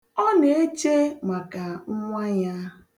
Ọ na-eche maka nwa ya.